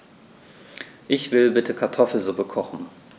Ich will bitte Kartoffelsuppe kochen.